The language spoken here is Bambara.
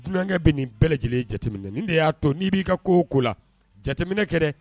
Dunankɛ bɛ nin bɛɛ lajɛlen jateminɛ na ni de y'a to n'i b'i ko ko la jateminɛkɛ